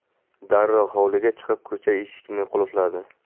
darrov hovliga chiqib ko'cha eshikni qulfladi